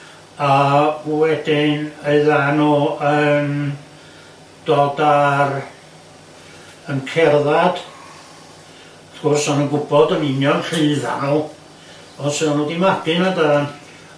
a wedyn oeddan n'w yn dod a'r... yn cerddad... wrth gwrs o n'w'n gwbod yn union lle odda n'w achos odda n'w 'di magu yna doeddan?